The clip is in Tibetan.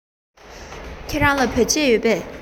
ཁྱེད རང ལ བོད ཆས ཡོད པས